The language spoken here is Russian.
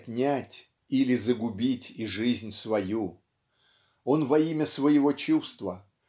отнять или загубить и жизнь свою. Он во имя своего чувства